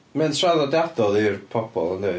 Mae o'n traddodiadol i'r pobl yndi?